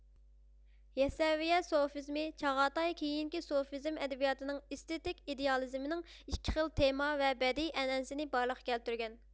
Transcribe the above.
يەسەۋىيە سوفىزمى چاغاتاي كېيىنكى سوفىزم ئەدەبىياتىنىڭ ئېستېتىك ئىدېئالىزمنىڭ ئىككى خىل تېما ۋە بەدىئىي ئەنئەنىسىنى بارلىققا كەلتۈرگەن